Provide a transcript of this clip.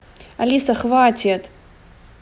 алиса хватит